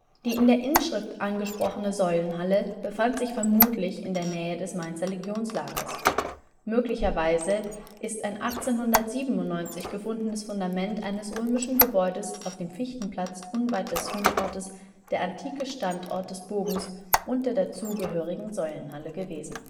Die in der Inschrift angesprochene Säulenhalle befand sich vermutlich in der Nähe des Mainzer Legionslagers. Möglicherweise ist ein 1897 gefundenes Fundament eines römischen Gebäudes auf dem Fichteplatz unweit des Fundortes der antike Standort des Boges und der dazugehörigen Säulenhalle gewesen